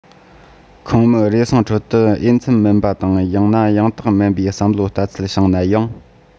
ཁོངས མི རེ ཟུང ཁྲོད དུ འོས འཚམ མིན པ དང ཡང ན ཡང དག མིན པའི བསམ བློ ལྟ ཚུལ བྱུང ན ཡང